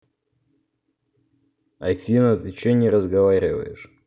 афина ты че не разговариваешь